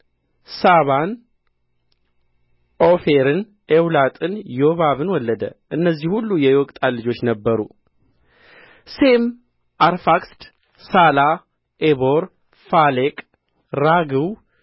ሳባን ኦፊርን ኤውላጥን ዮባብን ወለደ እነዚህ ሁሉ የዮቅጣን ልጆች ነበሩ ሴም አርፋክስድ ሳላ ዔቦር ፋሌቅ ራግው